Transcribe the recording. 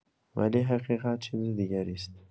ولی حقیقت چیز دیگری است.